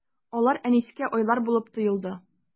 Алар Әнискә айлар булып тоелды.